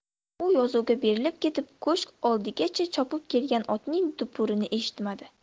u yozuvga berilib ketib ko'shk oldigacha chopib kelgan otning dupurini eshitmadi